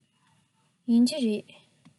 ཡིན གྱི རེད